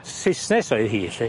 Saesnes oedd hi 'lly.